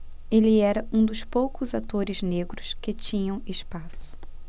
ele era um dos poucos atores negros que tinham espaço